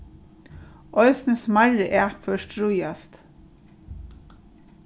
eisini smærri akfør stríðast